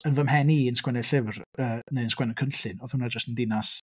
Yn fy mhen i yn sgwennu'r llyfr, yy neu yn sgwennu'r cynllun, oedd hwnna jyst yn ddinas...